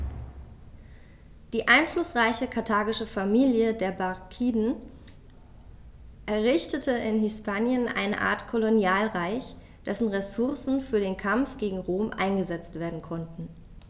Die einflussreiche karthagische Familie der Barkiden errichtete in Hispanien eine Art Kolonialreich, dessen Ressourcen für den Kampf gegen Rom eingesetzt werden konnten.